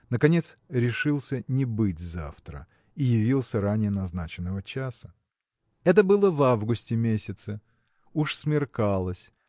наконец решился не быть завтра – и явился ранее назначенного часа. Это было в августе месяце. Уж смеркалось.